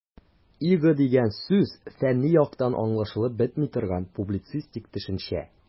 "иго" дигән сүз фәнни яктан аңлашылып бетми торган, публицистик төшенчә.